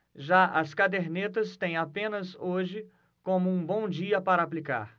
já as cadernetas têm apenas hoje como um bom dia para aplicar